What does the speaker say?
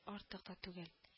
Артык та түгел